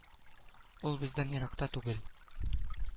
Ул бездән еракта түгел